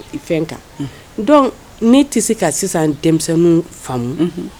Donc ne te se ka sisan denmisɛnw faamu